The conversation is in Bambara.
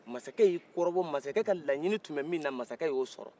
masakɛ y'i kɔrɔbɔ masakɛ ka laɲini tun bɛ min na a y'o sɔrɔ